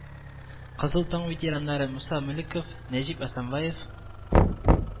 Кызыл таң ветераннары Муса Мөлеков, Нәҗип Асанбаев